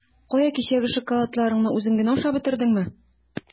Кая, кичәге шоколадларыңны үзең генә ашап бетердеңме?